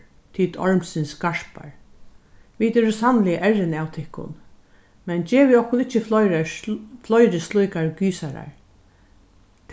tit ormsins garpar vit eru sanniliga errin av tykkum men gevið okkum ikki fleiri fleiri slíkar gysarar